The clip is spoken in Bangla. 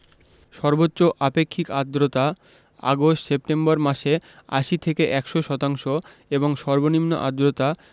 সর্বোচ্চ আপেক্ষিক আর্দ্রতা আগস্ট সেপ্টেম্বর মাসে ৮০ থেকে ১০০ শতাংশ এবং সর্বনিম্ন আর্দ্রতা